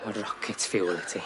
Ma' rocket fuel i ti.